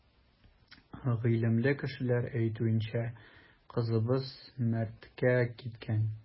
Гыйлемле кешеләр әйтүенчә, кызыбыз мәрткә киткән.